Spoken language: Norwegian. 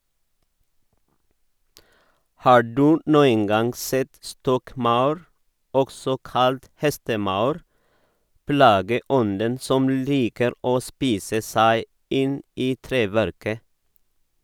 Har du noen gang sett stokkmaur, også kalt hestemaur, plageånden som liker å spise seg inn i treverket?